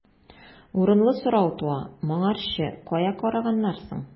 Урынлы сорау туа: моңарчы кая караганнар соң?